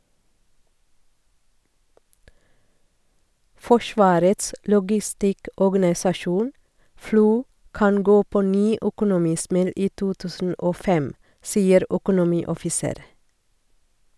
Forsvarets logistikkorganisasjon (FLO) kan gå på ny økonomismell i 2005, sier økonomioffiser.